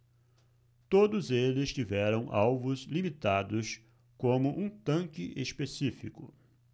todos eles tiveram alvos limitados como um tanque específico